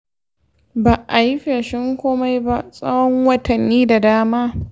ba a yi feshin komai ba tsawon watanni da dama.